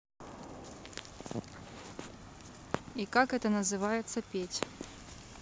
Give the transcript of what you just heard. и как это называется петь